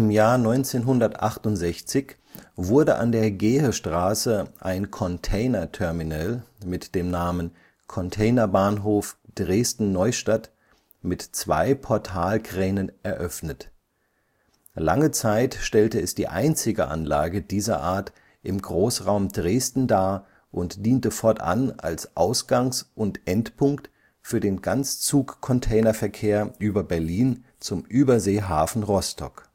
Jahr 1968 wurde an der Gehestraße ein Container-Terminal (Containerbahnhof Dresden-Neustadt) mit zwei Portalkränen eröffnet. Lange Zeit stellte es die einzige Anlage dieser Art im Großraum Dresden dar und diente fortan als Ausgangs - und Endpunkt für den Ganzzug-Containerverkehr über Berlin zum Überseehafen Rostock